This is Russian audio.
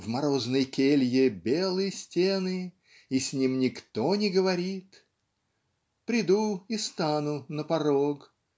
В морозной келье белы стены, И с ним никто не говорит. Приду и стану на порог.